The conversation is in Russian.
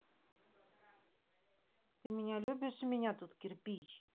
ты меня любишь меня тут кирпич